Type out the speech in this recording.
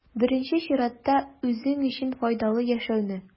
Беренче чиратта, үзең өчен файдалы яшәүне.